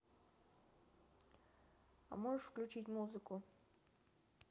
а можешь включить музыку